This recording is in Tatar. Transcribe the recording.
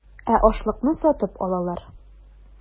Ә ашлыкны сатып алалар.